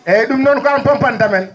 eyyi ?um noon ko an pompantamen